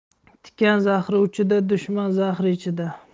tikan zahri uchida dushman zahri ichida